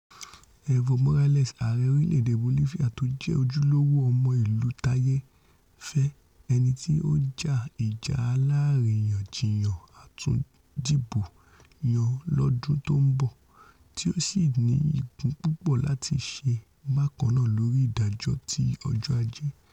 Evo Morales, ààrẹ orílẹ̀-èdè Bolifia tójẹ́ ojúlówó ọmọ ìlú táyé ńfẹ́ - ẹniti on ja ìjà aláàríyànjiyàn atún dìbò yàn lọ́dún tó ńbọ̀ - tí ó sì̀ ní igùn púpọ̀ láti ṣe bákannáa lórí ìdájọ́ ti ọjọ́ Aje ́.